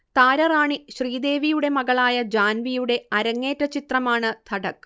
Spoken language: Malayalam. താരറാണി ശ്രീദേവിയുടെ മകളായ ജാൻവിയുടെ അരങ്ങേറ്റ ചിത്രമാണ് ധഡക്